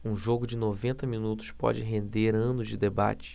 um jogo de noventa minutos pode render anos de debate